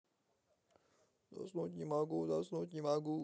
заснуть не могу заснуть не могу